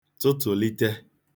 tụtụ̀lite